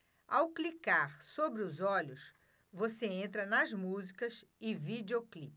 ao clicar sobre os olhos você entra nas músicas e videoclipes